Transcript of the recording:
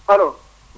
allo